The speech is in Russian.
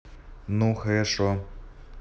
ну хорошо